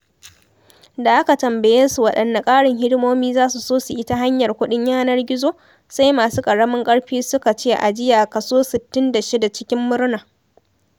Da aka tambaye su waɗanne ƙarin hidimomi za su so su yi ta hanyar kuɗin yanar gizo, sai masu ƙaramin ƙarfi suka ce ajiya (66%) cikin murna.